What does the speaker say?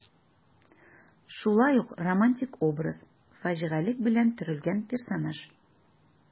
Шулай ук романтик образ, фаҗигалек белән төрелгән персонаж.